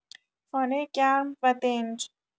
خانه گرم و دنج